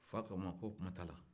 fa ko a ma ko kuma t'a la